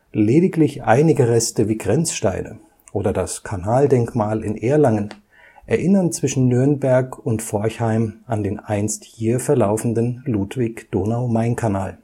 Lediglich einige Reste wie Grenzsteine oder das Kanaldenkmal in Erlangen erinnern zwischen Nürnberg und Forchheim an den einst hier verlaufenden Ludwig-Donau-Main-Kanal